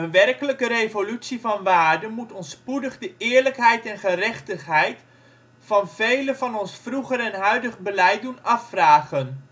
werkelijke revolutie van waarden moet ons spoedig de eerlijkheid en gerechtigheid van vele van ons vroeger en huidig beleid doen afvragen